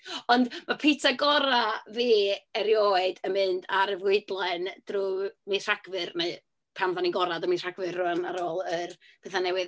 Ond y pitsa gorau fi erioed yn mynd ar y fwydlen drwy mis Rhagfyr. Mae o... pam fyddwn ni'n agored yn mis Rhagfyr rŵan ar ôl yr petha newydd.